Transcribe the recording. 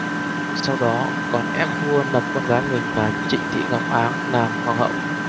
sau đó còn ép vua lập con gái mình là trịnh thị ngọc áng làm hoàng hậu